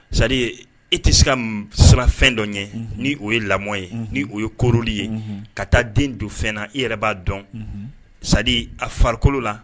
c'est à dire e tɛ se ka siran fɛn dɔ ɲɛ ni o ye lamɔ ye ni o ye koroli ye. ka taa den don fɛn na i yɛrɛ ba dɔn c'est à dire a farikolokolo la